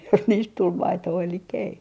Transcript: jos niistä tuli maitoa eli ei